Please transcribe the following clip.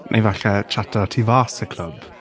Neu falle tshato tu fas y clwb.